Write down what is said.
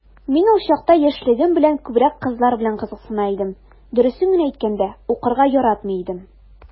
Мин ул чакта, яшьлегем белән, күбрәк кызлар белән кызыксына идем, дөресен генә әйткәндә, укырга яратмый идем...